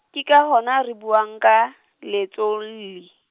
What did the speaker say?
ke ka hona re buang ka, leetsolli.